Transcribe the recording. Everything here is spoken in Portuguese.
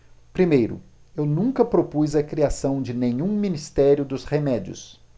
primeiro eu nunca propus a criação de nenhum ministério dos remédios